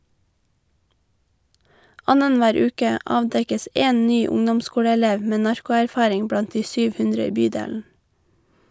Annenhver uke avdekkes én ny ungdomsskoleelev med narko-erfaring blant de 700 i bydelen.